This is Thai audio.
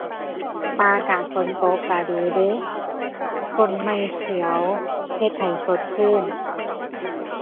อากาศฝนตกก็ดีเดะ ต้นไม้เขียวเฮ็ดให้สดชื่น